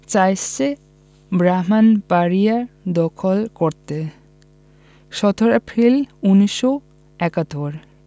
চাইছে ব্রাহ্মনবাড়িয়া দখল করতে ১৭ এপ্রিল ১৯৭১